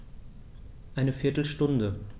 Eine viertel Stunde